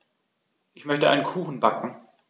Ich möchte einen Kuchen backen.